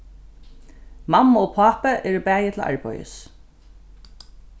mamma og pápi eru bæði til arbeiðis